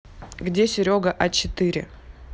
где серега а четыре